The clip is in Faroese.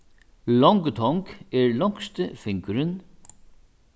longutong er longsti fingurin